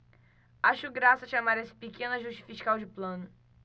acho graça chamar esse pequeno ajuste fiscal de plano